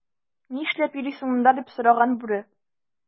"нишләп йөрисең монда,” - дип сораган бүре.